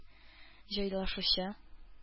Җайлашучы